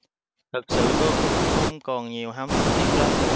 thực sự tôi cũng không còn nhiều ham thích viết lách